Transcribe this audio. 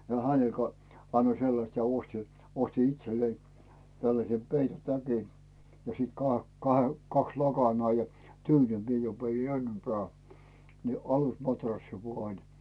ja hänelle - annoin sellaista ja ostin ostin itselleni tällaisen peittotäkin ja sitten -- kaksi lakanaa ja tyynynkin minä jo vein ennempään niin alusmatrassi vain niin